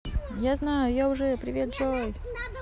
я знаю я уже привет джой